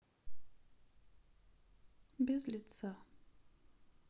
без лица